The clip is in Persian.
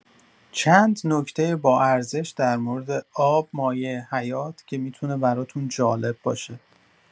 چند نکته باارزش در مورد آب مایع حیات که می‌تونه براتون‌جالب باشه